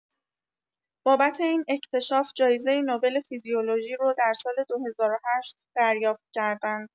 بابت این اکتشاف جایزه نوبل فیزیولوژی رو در سال ۲۰۰۸ دریافت کردند.